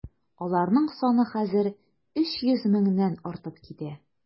Аларның саны хәзер 300 меңнән артып китә.